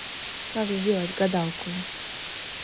как сделать гадалку